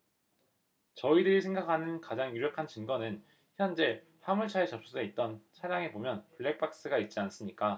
저희들이 생각하는 가장 유력한 증거는 현재 화물차에 접수돼 있던 차량에 보면 블랙박스가 있지 않습니까